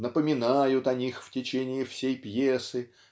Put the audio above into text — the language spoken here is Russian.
напоминают о них в течение всей пьесы